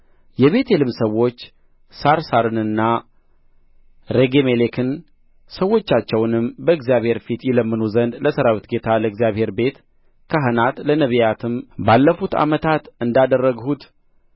የቤቴልም ሰዎች ሳራሳርንና ሬጌሜሌክን ሰዎቻቸውንም በእግዚአብሔር ፊት ይለምኑ ዘንድ ለሠራዊት ጌታ ለእግዚአብሔር ቤት ካህናት ለነቢያትም ባለፉት ዓመታት እንዳደረግሁት